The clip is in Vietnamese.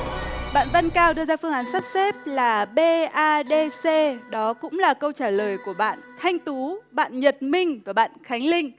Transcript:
bạn văn cao đưa ra phương án sắp xếp là bê a đê xê đó cũng là câu trả lời của bạn thanh tú bạn nhật minh và bạn khánh linh